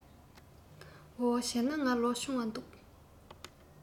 འོ བྱས ན ང ལོ ཆུང བ འདུག